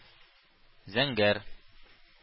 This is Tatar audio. Зәңгәр